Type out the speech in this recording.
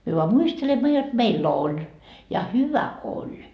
me vain muistelemme jotta meillä oli ja hyvä oli